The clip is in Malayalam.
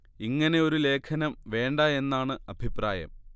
ഇങ്ങനെ ഒരു ലേഖനം വേണ്ട എന്നാണ് അഭിപ്രായം